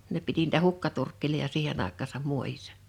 ne piti niitä hukkaturkkeja siihen aikaansa muodissa